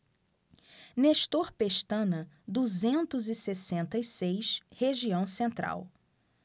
nestor pestana duzentos e sessenta e seis região central